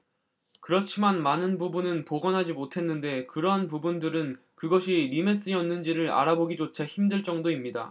그렇지만 많은 부분은 복원하지 못했는데 그러한 부분들은 그것이 리메스였는지를 알아보기조차 힘들 정도입니다